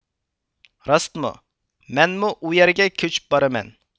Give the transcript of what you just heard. راستمۇ مەنمۇ ئۇ يەرگە كۆچۈپ بارىمەن